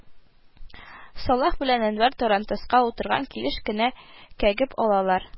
Салах белән Әнвәр тарантаска утырган килеш кенә кәгеп алалар